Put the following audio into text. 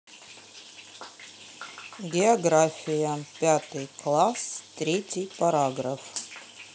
география пятый класс третий параграф